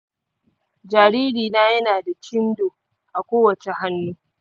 jaririna yana da cindo a kowace hannu.